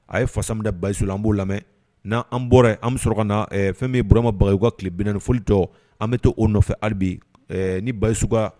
A ye fasa min da Bayusu la an b'o lamɛn, n' an bɔra yen an sɔrɔ ka na fɛn min ye Burama Bagayogo ka tile 40 foli tɔ an bɛ t'o nɔfɛ hali bi ɛ ni Bayusu ka